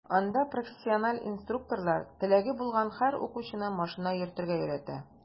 Анда профессиональ инструкторлар теләге булган һәр укучыны машина йөртергә өйрәтә.